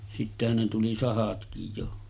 sittenhän ne tuli sahatkin jo